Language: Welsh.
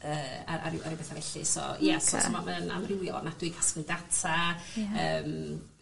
yy a a ryw a ryw petha felly so ia... Oce. ...so so mae o'n amrywio ofnadwy casglu data ... Ia. ...yym